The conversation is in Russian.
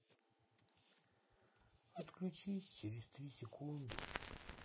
отключись через три секунды